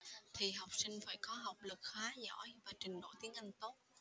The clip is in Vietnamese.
thì học sinh phải có học lực khá giỏi và trình độ tiếng anh tốt